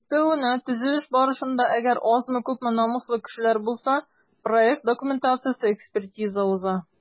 Өстәвенә, төзелеш барышында - әгәр азмы-күпме намуслы кешеләр булса - проект документациясе экспертиза уза.